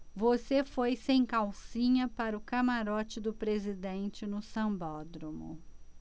você foi sem calcinha para o camarote do presidente no sambódromo